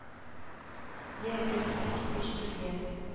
Йә, кер инде, килгәч, түргә